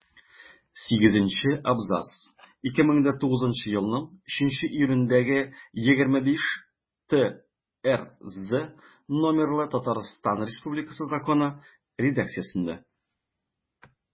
Сигезенче абзац 2009 елның 3 июлендәге 25-ТРЗ номерлы Татарстан Республикасы Законы редакциясендә.